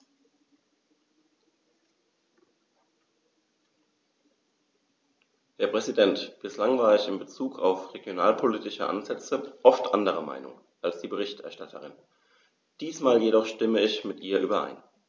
Herr Präsident, bislang war ich in bezug auf regionalpolitische Ansätze oft anderer Meinung als die Berichterstatterin, diesmal jedoch stimme ich mit ihr überein.